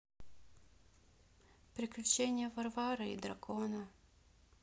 приключения варвары и дракона